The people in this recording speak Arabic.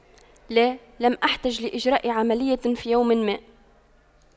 لا لم أحتج لإجراء عملية في يوم ما